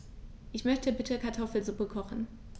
Ich möchte bitte Kartoffelsuppe kochen.